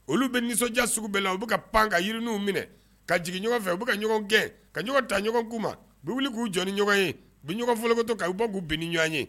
Olu bɛ nisɔndiya sugu bɛɛ u bɛ ka pan ka yiririniw minɛ ka jigin ɲɔgɔn fɛ u bɛ ka ɲɔgɔn gɛn ka ɲɔgɔn ta ɲɔgɔn kuma ma u wuli k'u jɔn ni ɲɔgɔn ye bi ɲɔgɔn fɔlɔ to u b' k'u bin ni ɲɔgɔn ye